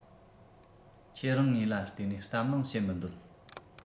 ཁྱེད རང ངོས ལ ལྟོས ནས གཏམ གླེང བྱེད མི འདོད